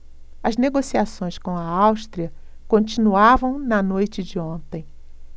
as negociações com a áustria continuavam na noite de ontem